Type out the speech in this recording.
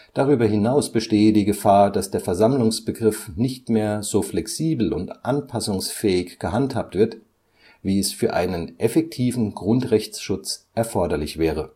Darüber hinaus bestehe die Gefahr, dass der Versammlungsbegriff nicht mehr so flexibel und anpassungsfähig gehandhabt wird, wie es für einen effektiven Grundrechtsschutz erforderlich wäre